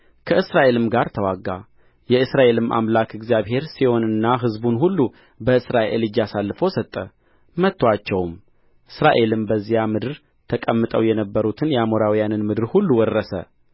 ከእስራኤልም ጋር ተዋጋ የእስራኤልም አምላክ እግዚአብሔር ሴዎንና ሕዝቡን ሁሉ በእስራኤል እጅ አሳልፎ ሰጠ መቱአቸውም እስራኤልም በዚያ ምድር ተቀምጠው የነበሩትን የአሞራውያንን ምድር ሁሉ ወረሰ